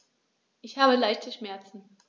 Ich habe leichte Schmerzen.